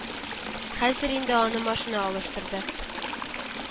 Хәзер инде аны машина алыштырды